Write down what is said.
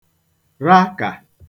ra kà